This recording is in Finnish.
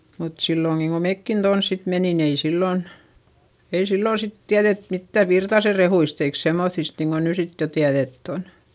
mutta silloinkin kun mekin tuonne sitten menimme ei silloin ei silloin sitten tiedetty mitään Virtasen rehuista eikä semmoisista niin kuin nyt sitten jo tiedetty on